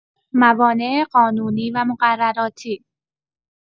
موانع قانونی و مقرراتی